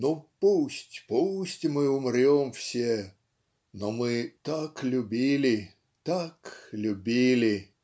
"Ну, пусть, пусть мы умрем все, но мы так любили, так любили".